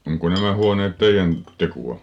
onko nämä huoneet teidän tekoa